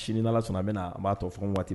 Sini sɔnna a bɛna na a b'a tɔ fɔ waati